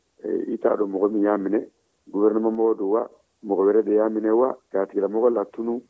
i t'a dɔn mɔgɔ min ye a minɛ gofɛrɛnaman mɔgɔ don wa mɔgɔ wɛrɛ de y'a minɛ wa ka a tigilamɔgɔ latunun